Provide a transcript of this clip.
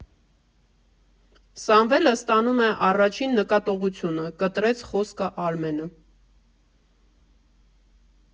֊ Սամվելը ստանում է առաջին նկատողությունը, ֊ կտրեց խոսքը Արմենը։